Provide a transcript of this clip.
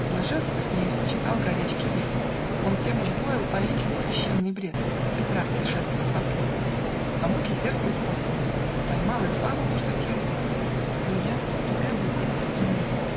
Блажен, кто с нею сочетал Горячку рифм: он тем удвоил Поэзии священный бред, Петрарке шествуя вослед, А муки сердца успокоил, Поймал и славу между тем Но я, любя, был глуп и нем.